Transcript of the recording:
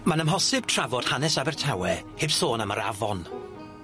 Ma'n amhosib trafod hanes Abertawe heb sôn am yr afon.